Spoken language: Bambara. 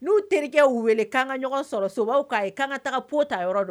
N'u terikɛ wele k' kan ka ɲɔgɔn sɔrɔ sow ka'a kan ka taa foyi ta yɔrɔ dɔn